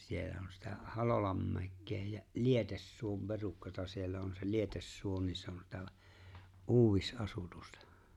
siellä on sitä Halolanmäkeä ja Lietesuon perukkaa siellä on se Lietesuo niin se on sitä - uudisasutusta